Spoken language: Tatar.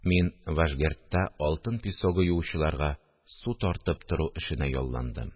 Мин вашгердта алтын песогы юучыларга су тартып тору эшенә ялландым